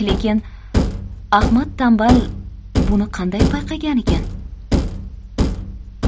lekin ahmad tanbal buni qanday payqaganikin